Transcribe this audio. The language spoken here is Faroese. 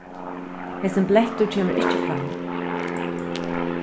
hesin blettur kemur ikki fram